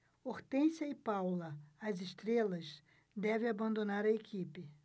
hortência e paula as estrelas devem abandonar a equipe